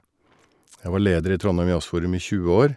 Jeg var leder i Trondheim Jazzforum i tjue år.